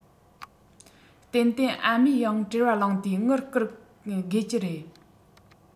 ཏན ཏན ཨ མས ཡང བྲེལ བ ལངས ཏེ དངུལ བསྐུར དགོས ཀྱི རེད